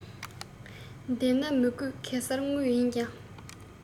འདན ན མི དགོས གེ སར དངོས ཡིན ཀྱང